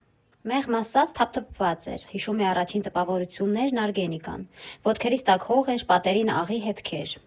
«Մեղմ ասած՝ թափթփված էր, ֊ հիշում է առաջին տպավորություններն Արգենիկան, ֊ ոտքերիս տակ հող էր, պատերին՝ աղի հետքեր։